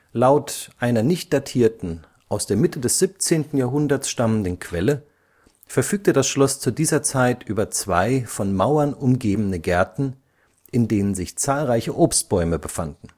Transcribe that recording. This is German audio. Laut einer nicht datierten aus der Mitte des 17. Jahrhunderts stammenden Quelle verfügte das Schloss zu dieser Zeit über zwei von Mauern umgebene Gärten, in denen sich zahlreiche Obstbäume befanden